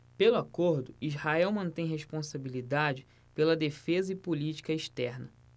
pelo acordo israel mantém responsabilidade pela defesa e política externa